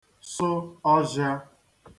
sụ ọzhịa